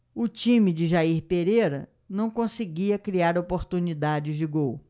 o time de jair pereira não conseguia criar oportunidades de gol